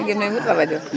dangeen may wutal rajo